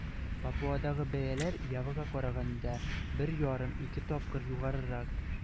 Папуадагы бәяләр Явага караганда 1,5-2 тапкыр югарырак.